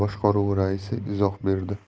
boshqaruvi raisi izoh berdi